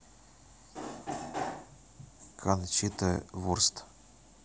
кончита вурст